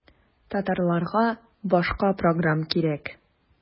Татарларга башка программ кирәк.